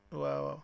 waaw waaw